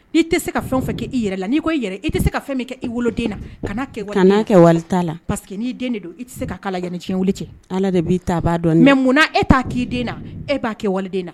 Ni tɛ se ka fɛn fɛ kɛ i yɛrɛ la. Ni n ko e yɛrɛ, i tɛ se ka fɛn min kɛ i wolo na ka na kɛ wali ta la. Parceque ni den de don i tɛ se ka ka la yan ni jiɲɛ wuli cɛ. Ala de bi ta baa dɔ. Mais munna e ta ki den na ? E ba kɛ waliden na.